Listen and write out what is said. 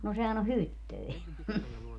no sehän on hyttynen